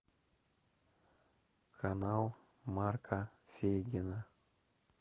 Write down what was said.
канал марка фейгина